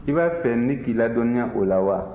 i b'a fɛ ne k'i ladɔnniya o la wa